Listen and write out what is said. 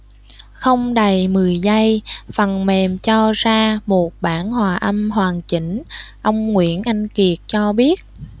không đầy mười giây phần mềm cho ra một bản hòa âm hoàn chỉnh ông nguyễn anh kiệt cho biết